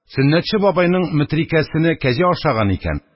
«сөннәтче бабайның метрикәсене кәҗә ашаган икән.